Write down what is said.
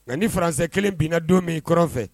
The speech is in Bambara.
Nka niuransɛ kelen binna don min k fɛ